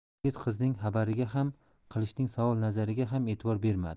yigit qizning xabariga ham qilichning savol nazariga ham e'tibor bermadi